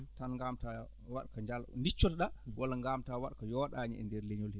tan ngaamtaa waɗ ko jaal diccotoɗaa walla ngaamtaa waɗ ko yooɗaani e ndeer leñol hee